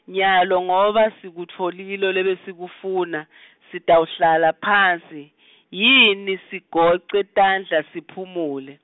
nyalo ngoba sikutfolile lebesikufuna, sitawuhlala phansi, yini sigoce tandla siphumule.